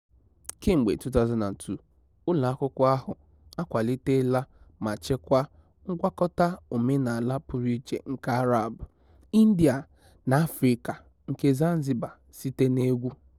Kemgbe 2002, ụlọakwụkwọ ahụ akwaliteela ma chekwaa ngwakọta omenala pụrụ iche nke Arab, India na Afịrịka nke Zanzibar site n'egwu.